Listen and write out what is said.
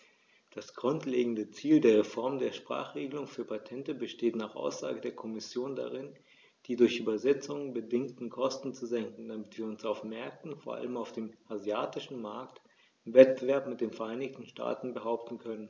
Das grundlegende Ziel der Reform der Sprachenregelung für Patente besteht nach Aussage der Kommission darin, die durch Übersetzungen bedingten Kosten zu senken, damit wir uns auf den Märkten, vor allem auf dem asiatischen Markt, im Wettbewerb mit den Vereinigten Staaten behaupten können.